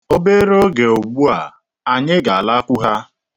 Obere oge ugbua, anyị ga-alakwu ha.